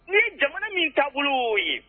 I ye jamana min taabolo' oo ye